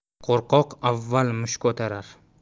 qo'rqoq avval musht ko'tarar